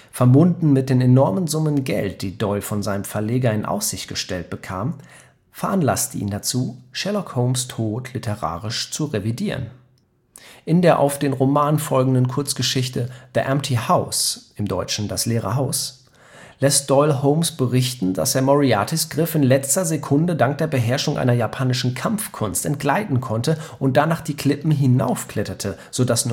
verbunden mit den enormen Summen Geld, die Doyle von seinem Verleger in Aussicht gestellt bekam, veranlasste ihn dazu, Sherlock Holmes’ Tod literarisch zu revidieren. In der auf den Roman folgenden Kurzgeschichte The Empty House (dt.: Das leere Haus) lässt Doyle Holmes berichten, dass er Moriartys Griff in letzter Sekunde dank der Beherrschung einer japanischen Kampfkunst entgleiten konnte und danach die Klippen hinaufkletterte, sodass